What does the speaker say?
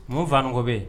Mun faniko bɛ yen